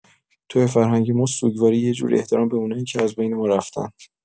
توی فرهنگ ما، سوگواری یه جور احترام به اوناییه که از بین ما رفتن.